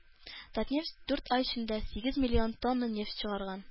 “татнефть” дүрт ай эчендә сигез миллион тонна нефть чыгарган